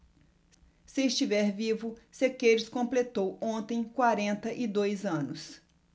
se estiver vivo sequeiros completou ontem quarenta e dois anos